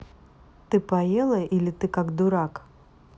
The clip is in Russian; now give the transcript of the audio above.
ты поела или ты как дурак